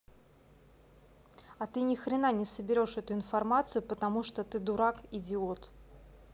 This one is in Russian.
а ты нихрена не соберешь эту информацию потому что ты дурак идиот